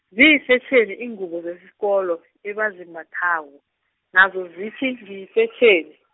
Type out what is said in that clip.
ziyifetjheni iingubo zesikolo, abazembathako, nazo zithi ngiyifetjheni.